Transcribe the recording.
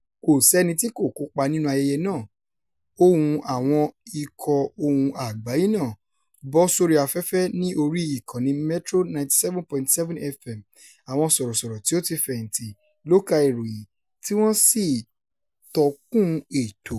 Kò sẹ́ni tí kò kópa nínú ayẹyẹ náà. Ohùn àwọn ikọ̀ Ohùn Àgbáyé náà bọ́ sórí afẹ́fẹ́ ní orí ìkànnì Metro 97.7FM. Àwọn sọ̀rọ̀sọ̀rọ̀ tí ó ti fẹ̀yìntì ló ka ìròyìn tí wọ́n sì tọ́kùn ètò.